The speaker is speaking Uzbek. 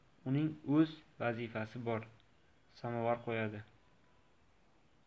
uning o'z vazifasi bor samovar qo'yadi